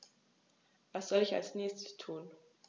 Was soll ich als Nächstes tun?